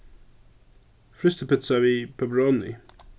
frystipitsa við pepperoni